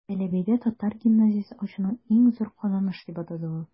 Бәләбәйдә татар гимназиясе ачуны иң зур казаныш дип атады ул.